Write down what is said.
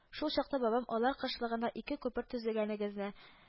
Шул чакта бабам алар кышлыгына ике күпер төзегәнегезне